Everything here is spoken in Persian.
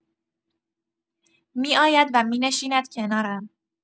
می‌آید و می‌نشیند کنارم.